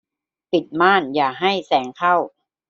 ปิดม่านอย่าให้แสงเข้า